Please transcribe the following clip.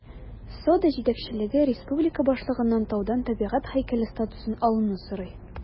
Сода җитәкчелеге республика башлыгыннан таудан табигать һәйкәле статусын алуны сорый.